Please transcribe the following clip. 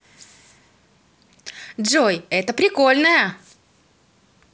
джой это прикольная